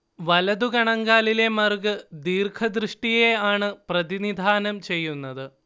വലതു കണങ്കാലിലെ മറുക് ദീര്‍ഘദൃഷ്ടിയെ ആണ് പ്രതിനിധാനം ചെയ്യുന്നത്